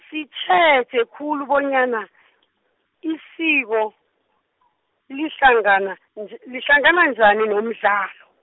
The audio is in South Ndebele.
sitjheje khulu bonyana, isiko , lihlangana nj- lihlangana njani nomdlalo.